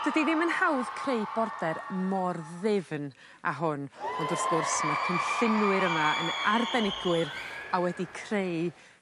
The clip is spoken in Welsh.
Dydi ddim yn hawdd creu border mor ddyfn â hwn ond wrth gwrs ma'r cynllunwyr yma yn arbenigwyr a wedi creu